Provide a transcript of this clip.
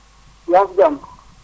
yaa ngi si jàmm